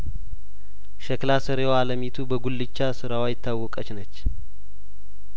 ሸክላ ሰሪዋ አለሚቱ በጉልቻ ስራዋ የታወቀች ነች